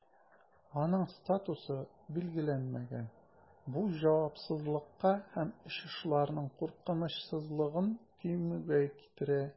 Аның статусы билгеләнмәгән, бу җавапсызлыкка һәм очышларның куркынычсызлыгын кимүгә китерә.